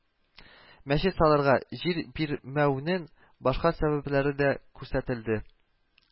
Мәчет салырга җир бир мәүнең башка сәбәпләре дә күрсәтелде